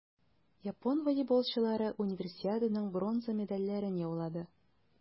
Япон волейболчылары Универсиаданың бронза медальләрен яулады.